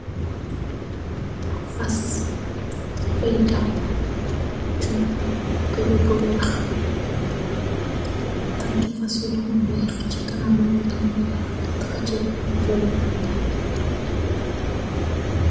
Faas buy daw, jum berebu ñax, tanki faas yu weex, ći kanam mungi am weex takaći bum.